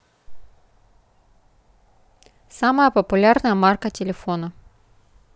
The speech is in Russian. самая популярная марка телефона